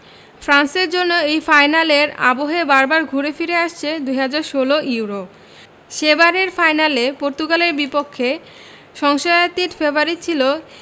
ফ্রান্সের জন্য এই ফাইনালের আবহে বারবার ঘুরে ফিরে আসছে ২০১৬ ইউরো সেবারের ফাইনালে পর্তুগালের বিপক্ষে সংশয়াতীত ফেভারিট ছিল